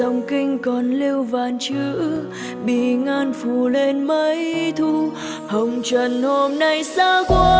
dòng kinh còn lưu vạn chữ bỉ ngạn phủ lên mấy thu hồng trần hôm nay xa quá